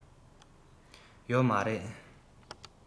ཡོད མ རེད